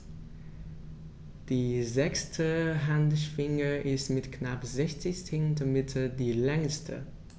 Die sechste Handschwinge ist mit knapp 60 cm die längste.